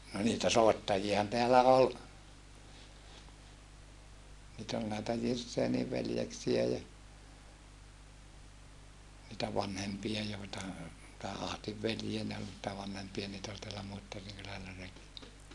no niitä soittajiahan täällä oli niitä oli näitä Girsenin veljeksiä ja niitä vanhempia joita tämän Ahdin veljiä ne oli niitä vanhempia niitä oli täällä Muittarin kylällä -